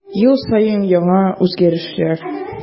Ел саен яңа үзгәреш.